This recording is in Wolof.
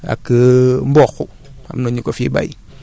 gerte ak mboq